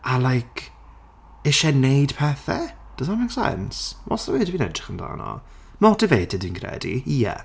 A like isie wneud pethau? Does that make sense? What's the word fi'n edrych amdano? "Motivated" fi'n credu? Ie.